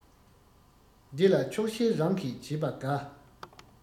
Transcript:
འདི ལ ཆོག ཤེས རང གིས བྱས པ དགའ